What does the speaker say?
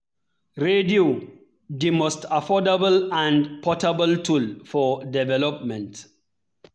Radio — the most affordable and portable tool for development